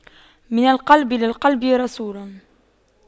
من القلب للقلب رسول